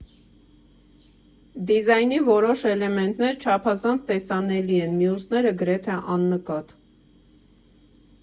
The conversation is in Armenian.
Դիզայնի որոշ էլեմենտներ չափազանց տեսանելի են, մյուսները՝ գրեթե աննկատ։